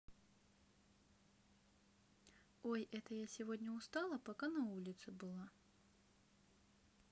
ой это я сегодня устала пока на улице была